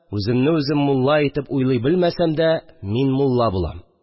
Үземне үзем мулла итеп уйлый белмәсәм дә, мин мулла булам